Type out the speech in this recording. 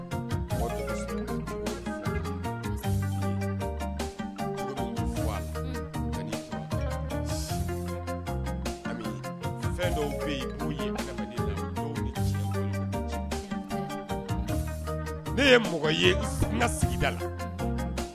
Dɔw ne ye mɔgɔ ye sigida